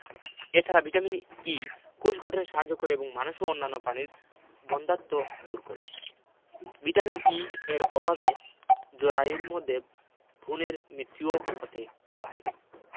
এ ছাড়া vitamin E কোষ গঠনে সাহায্য করে এবং মানুষ এবং অন্যান্য প্রাণীর বন্ধ্যাত্ব দূর করে ভিটামিন E এর অভাবে জরায়ুর মধ্যে ভ্রনের মৃত্যুও হতে পারে